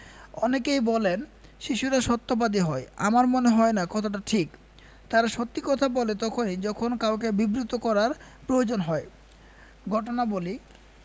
অনেকেই বলেন শিশুরা সত্যবাদী হয় আমার মনে হয় না কথাটা ঠিক তারা সত্যি কথা বলে তখনি যখন কাউকে বিব্রত করার প্রয়োজন হয় ঘটনা বলি